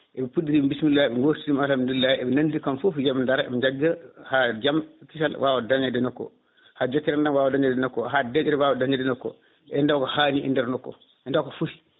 en puɗɗorima bisimillahi en gotorima alhamdulillahi eɓe nanodiri kamɓe foof yooɓe gaara ɓe jagga ha jaam e kiisal wawa dañede e nokku o haade jokkere enɗam wawa dañede e nokku o ha degré wawa dañede e nokku e ndawko hanni e nder nokku o e ndaw ko footi